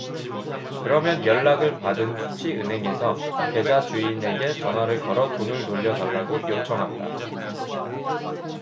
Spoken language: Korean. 그러면 연락을 받은 수취 은행에서 계좌 주인에게 전화를 걸어 돈을 돌려 달라고 요청한다